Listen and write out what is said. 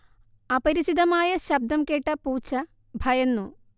അപരിചിതമായ ശബ്ദം കേട്ട പൂച്ച ഭയന്നു